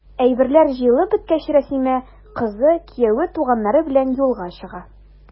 Әйберләр җыелып беткәч, Рәсимә, кызы, кияве, туганнары белән юлга чыга.